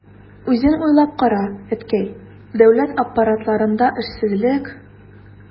Үзең уйлап кара, әткәй, дәүләт аппаратларында эшсезлек...